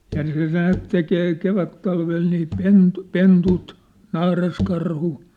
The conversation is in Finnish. ja se näet tekee kevättalvella niin - pennut naaraskarhu